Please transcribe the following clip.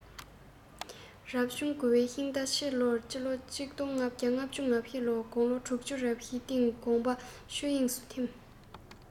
རབ བྱུང དགུ བའི ཤིང རྟ ཕྱི ལོ ༡༥༥༤ ལོར དགུང ལོ དྲུག ཅུ རེ བཞིའི སྟེང དགོངས པ ཆོས དབྱིངས སུ འཐིམས